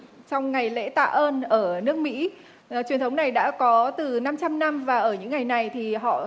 trong ngày lễ tạ ơn ở nước mỹ truyền thống này đã có từ năm trăm năm và ở những ngày này thì họ